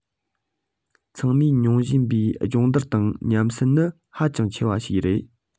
ཚང མས མྱོང བཞིན པའི སྦྱོང བརྡར དང ཉམས སད ནི ཧ ཅང ཆེ བ ཞིག རེད